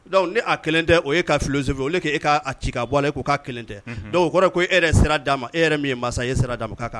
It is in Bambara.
Dɔnku ni a kelen tɛ o e ka fisinfu o k'e kaa ci ka bɔ k'' kelen tɛ dɔw kɔrɔ ko e yɛrɛ sira d'a ma e yɛrɛ min ye mansa e sira'a kan